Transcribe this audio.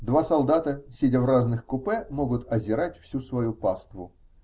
Два солдата, сидя в разных купе, могут озирать всю свою паству.